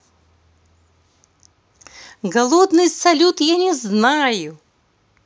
голодный салют я не знаю